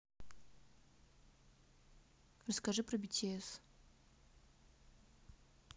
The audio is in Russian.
расскажи про bts